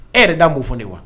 E yɛrɛ da m'o fɔ ne ye wa.